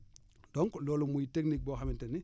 donc loolu muy technique boo xamante ni